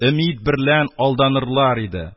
Өмит берлән алданырлар иде;